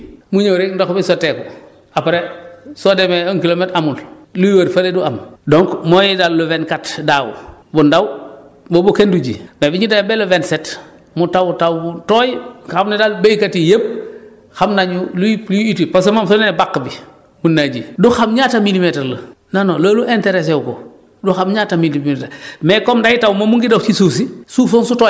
xam nga dafa mel ni ni ni day ñëw ba fii mu ñëw rek ndox bi sdoteeku après soo demee un kilomètre amul li wër fële du am donc mooy daal le vingt quatre daaw lu ndaw boobu kenn du ji mais bi mu tawee le vingt sept mu taw taw bu tooy xam ne daal béykat yi yëpp xam na ñu luy luy utile parce que moom foog na ne bàq bi mun naa ji du xam ñaata milimètre la non non loolu interessé wu ko du xam ñaata milimètre la